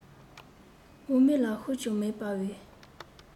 དབང མེད ལ ཤུགས ཀྱང མེད པའི